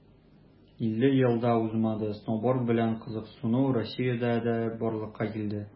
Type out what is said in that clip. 50 ел да узмады, сноуборд белән кызыксыну россиядә дә барлыкка килде.